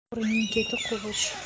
o'g'rining keti quvish